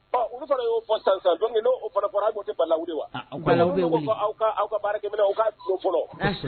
U y'o san'o bɔra tɛ aw ka baara ka du fɔlɔ